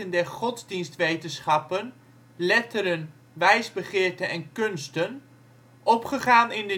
der Godsdienstwetenschappen, Letteren, Wijsbegeerte en Kunsten opgegaan in